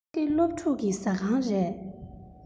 ཕ གི སློབ ཕྲུག གི ཟ ཁང རེད